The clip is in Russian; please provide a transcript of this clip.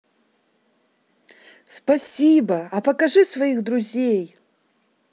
спасибо а покажи своих друзей